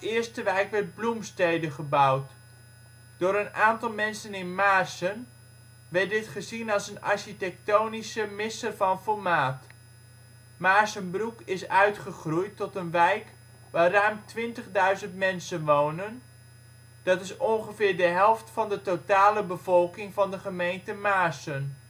eerste wijk werd Bloemstede gebouwd. Door een aantal mensen in Maarssen werd dit gezien als een architectonische misser van formaat. Maarssenbroek is uitgegroeid tot een wijk waar ruim 20.000 mensen wonen, dat is ongeveer de helft van de totale bevolking van de gemeente Maarssen